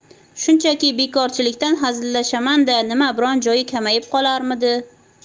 shunchaki bekorchilikdan hazillashamanda nima biron joyi kamayib qolarmidi